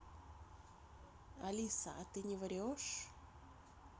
алиса а ты не врешь